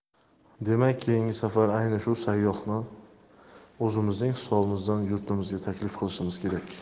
demak keyingi safar ayni shu sayyohni o'zimizning hisobimizdan yurtimizga taklif qilishimiz kerak